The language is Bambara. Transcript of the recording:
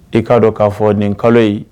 I k'a dɔn k'a fɔ nin kalo in